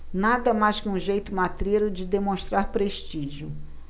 nada mais que um jeito matreiro de demonstrar prestígio